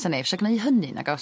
Sa neb isio gneud hynny nagos?